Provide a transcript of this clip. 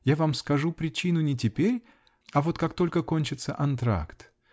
Я вам скажу причину не теперь, а вот как только кончится антракт.